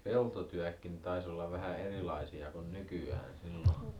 peltotyötkin taisi olla vähän erilaisia kuin nykyään silloin